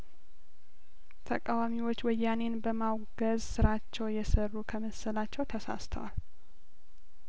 ተቃዋሚዎች ወያኔን በማውገዝ ስራቸው የሰሩ ከመሰላቸው ተሳስተዋል